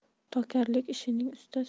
tokarlik ishining ustas